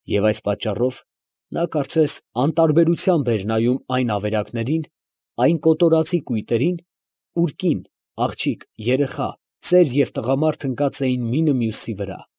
Եվ այս պատճառով նա, կարծես, անտարբերությամբ էր նայում այն ավերակներին, այն կոտորածի կույտերին, ուր կին, աղջիկ, երեխա, ծեր և տղամարդ ընկած էին մինը մյուսի վրա։